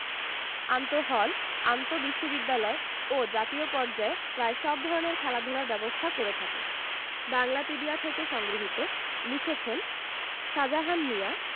আন্তঃহল আন্তঃবিশ্ববিদ্যালয় ও জাতীয় পর্যায়ে প্রায় সব ধরনের খেলাধুলার ব্যবস্থা করে থাকে বাংলাপিডিয়া থেকে সংগৃহীত লিখেছেনঃ সাজাহান মিয়া